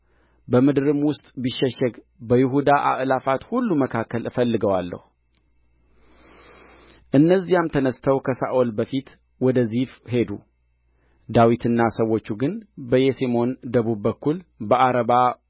በምድርም ውስጥ ቢሸሸግ በይሁዳ አእላፋት ሁሉ መካከል እፈልገዋለሁ እነዚያም ተነሥተው ከሳኦል በፊት ወደዚፍ ሄዱ ዳዊትና ሰዎቹ ግን በየሴሞን ደቡብ በኩል በዓረባ